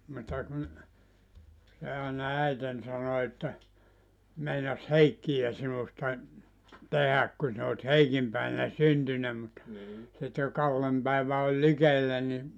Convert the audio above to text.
mutta kun se aina äitini sanoi että meinasi Heikkiä sinusta tehdä kun sinä olet Heikin päivänä syntynyt mutta sitten jo Kallen päivä oli likellä niin